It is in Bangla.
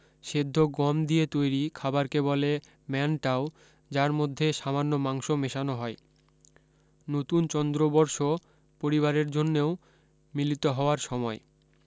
সেদ্ধ গম দিয়ে তৈরী খাবারকে বলে ম্যান টাও যার মধ্যে সামান্য মাংস মেশানো হয় নতুন চন্দ্র বর্ষ পরিবারের জন্যও মিলিত হওয়ার সময়